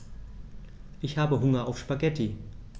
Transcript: Ich habe Hunger auf Spaghetti.